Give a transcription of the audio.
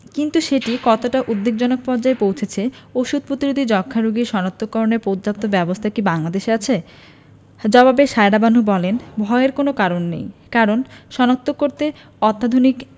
কিন্তু সেটি কতটা উদ্বেগজনক পর্যায়ে পৌঁছেছে ওষুধ প্রতিরোধী যক্ষ্মা রোগী শনাক্তকরণে পর্যাপ্ত ব্যবস্থা কি বাংলাদেশে আছে জবাবে সায়েরা বানু বলেন ভয়ের কোনো কারণ নেই কারণ শনাক্ত করতে অত্যাধুনিক